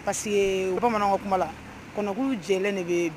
Bamanan kuma jɛ de bɛ